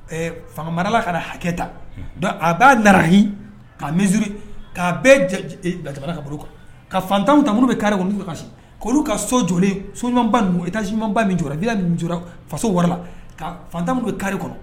Fanga marala ka hakɛ ta a b'a nahi ka misiri'a bɛɛ jamana kab kan ka fatan tanmuru bɛ kari la ka' ka sojlen so ɲuman i min jɔ i jinɛ faso wɛrɛla ka fan tanmuru bɛ kari kɔnɔ